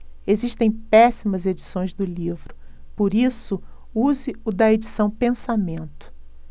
existem péssimas edições do livro por isso use o da edição pensamento